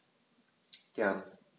Gern.